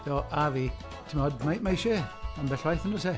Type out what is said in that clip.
Do, a fi. Timod, ma' ma' isie ambell waith yn does e?